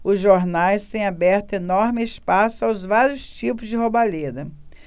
os jornais têm aberto enorme espaço aos vários tipos de roubalheira